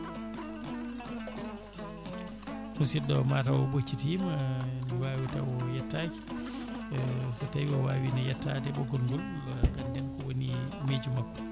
musidɗio o mataw o ɓoccitima ene wawi taw o yettaki e so tawi o wawino yettade ɓoggol ngol ganden ko woni miijo makko